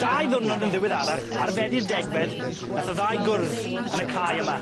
Dau ddiwrnod yn ddiweddarach, ar Fedi'r degfed nath y ddau gwrdd yn y cae yma.